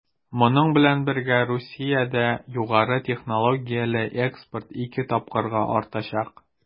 Моның белән бергә Русиядә югары технологияле экспорт 2 тапкырга артачак.